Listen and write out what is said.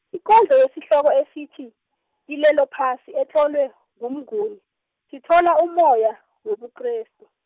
ikondlo yesihloko esithi, kilelo phasi etlolwe nguMnguni, sithola ummoya wobuKrestu.